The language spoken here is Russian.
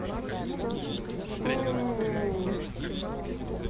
у